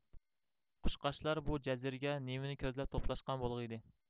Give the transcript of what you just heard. قۇشقاچلار بۇ جەزىرىگە نېمىنى كۆزلەپ توپلاشقان بولغىيدى